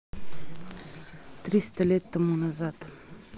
триста лет тому назад